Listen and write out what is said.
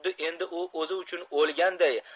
xuddi endi u o'zi uchun o'lganday